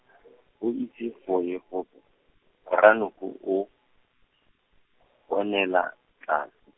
go itse go e gope, Ranoko o, bonela, tlhano.